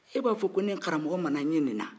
e b'a fɔ ko ne maramɔgɔ mana n ye nin na